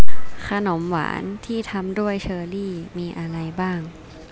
ขนมหวานที่ทำด้วยเชอร์รี่มีอะไรบ้าง